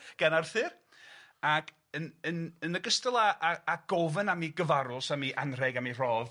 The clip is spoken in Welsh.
...gan Arthur ac yn yn yn ogystal â â â gofyn am 'i gyfarws am 'i anrheg am 'i rhodd